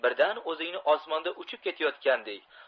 birdan o'zingni osmonda uchib ketayotgan dek